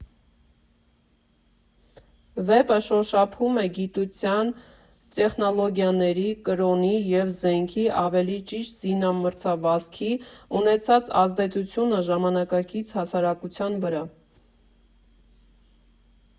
Վեպը շոշափում է գիտության, տեխնոլոգիաների, կրոնի և զենքի (ավելի ճիշտ՝ զինամրցավազքի) ունեցած ազդեցությունը ժամանակակից հասարակության վրա։